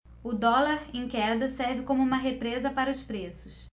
o dólar em queda serve como uma represa para os preços